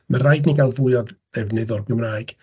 Mae'n rhaid i ni gael fwy o ddefnydd o'r Gymraeg.